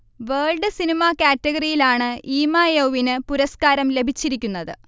world cinema കാറ്റഗറിയിലാണ് ഈമയൗവിന് പുരസ്കാരം ലഭിച്ചിരിക്കുന്നത്